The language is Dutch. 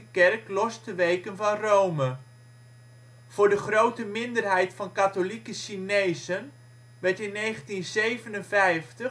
Kerk los te weken van Rome. Voor de grote minderheid van katholieke Chinezen werd in 1957 de staatskerk